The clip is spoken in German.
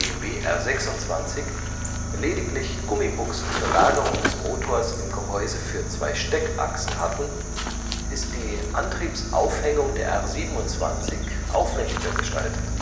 BMW R 26, lediglich Gummibuchsen zur Lagerung des Motors im Gehäuse für zwei Steckachsen hatten, ist die Antriebsaufhängung der R 27 aufwendiger gestaltet